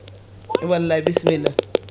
wallay bisimilla